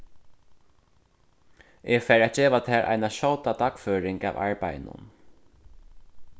eg fari at geva tær eina skjóta dagføring av arbeiðinum